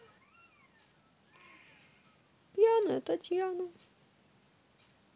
пьяная татьяна